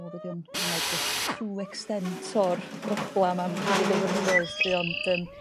O be' 'di o'n cymraeg 'dwch tru extent o'r broblam am 'chydig o flynyddoedd 'lly ond yrm